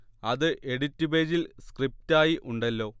അത് എഡിറ്റ് പേജിൽ സ്ക്രിപ്റ്റ് ആയി ഉണ്ടല്ലോ